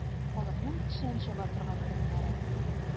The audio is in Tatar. Халыкның печән чаба торган урыннары.